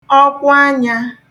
ọkwụanyā